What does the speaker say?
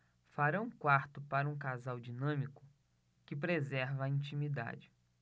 farão um quarto para um casal dinâmico que preserva a intimidade